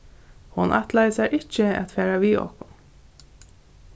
hon ætlaði sær ikki at fara við okkum